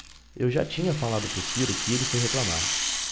eu já tinha falado pro ciro que ele foi reclamar